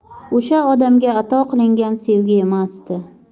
o'sha odamga ato qilingan sevgi emasdi